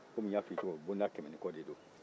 komi n y' a f'i ye bonda kɛmɛ ni kɔ de do